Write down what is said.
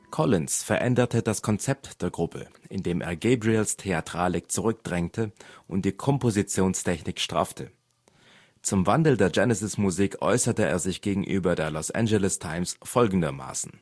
Collins veränderte das Konzept der Gruppe, indem er Gabriels Theatralik zurückdrängte und die Kompositionstechnik straffte. Zum Wandel der Genesis-Musik äußerte er sich gegenüber der Los Angeles Times folgendermaßen